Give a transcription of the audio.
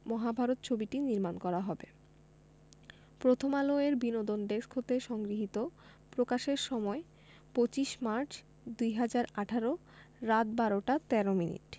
মহাভারত ছবিটি নির্মাণ করা হবে প্রথমআলো এর বিনোদন ডেস্ক হতে সংগৃহীত প্রকাশের সময় ২৫মার্চ ২০১৮ রাত ১২ টা ১৩ মিনিট